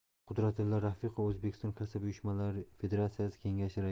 qudratulla rafiqov o'zbekiston kasaba uyushmalari federatsiyasi kengashi raisi